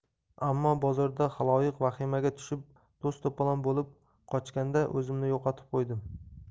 ammo bozorda xaloyiq vahimaga tushib to's to'polon bo'lib qochganda o'zimni yo'qotib qo'ydim